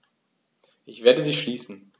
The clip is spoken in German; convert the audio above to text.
Ich werde sie schließen.